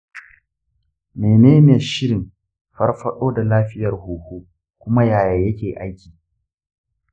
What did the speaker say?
mene ne shirin farfaɗo da lafiyar huhu kuma yaya yake aiki?